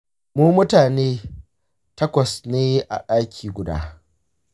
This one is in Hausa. mu mutane takwas ne a ɗaki guda.